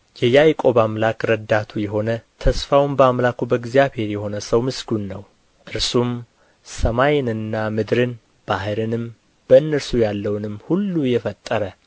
የያዕቆብ አምላክ ረዳቱ የሆነ ተስፋውም በአምላኩ በእግዚአብሔር የሆነ ሰው ምስጉን ነው እርሱም ሰማይንና ምድርን ባሕርንም በእነርሱ ያለውንም ሁሉ የፈጠረ